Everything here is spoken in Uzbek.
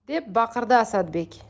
deb baqirdi asadbek